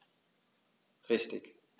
Richtig